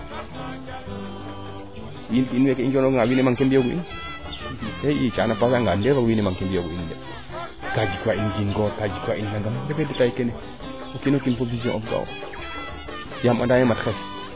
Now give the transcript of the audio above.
in weeke i joono ganga wiin manquer mbiyoogu in i caxaana passser anga wiin we manquer mbiyoogu in ka jik waa in kaa jik waa in ngor kaa jik waa in nangam refe detail keene o kiino kiin fo vision of ga'o yaam andaye mat